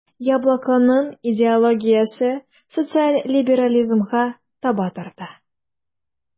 "яблоко"ның идеологиясе социаль либерализмга таба тарта.